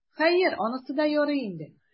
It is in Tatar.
Хәер, анысы да ярый инде.